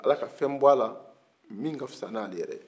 ala ka fɛn bɔra min ka fisa n'ale yɛrɛ ye